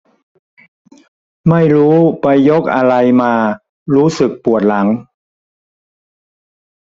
ไม่รู้ไปยกอะไรมารู้สึกปวดหลัง